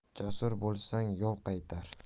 jasur bo'lsang yov qaytar